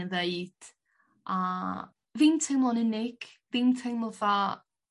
yn ddeud a fi'n teimlo'n unig fi'n teimlo 'tha